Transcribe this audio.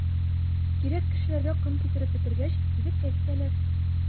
Кирәк кешеләргә ком китереп бетергәч, кибеткә китәләр.